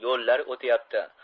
yo'llar o'tyapti